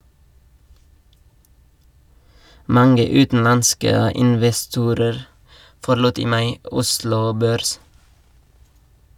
Mange utenlandske investorer forlot i mai Oslo Børs.